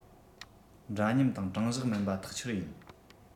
འདྲ མཉམ དྲང གཞག མིན པ ཐག ཆོད ཡིན